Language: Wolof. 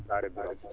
Saare Birame